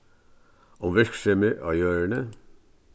um virksemið á jørðini